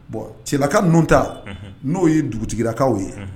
Bon cɛbalaka ninnu ta n'o ye dugutigilakaw ye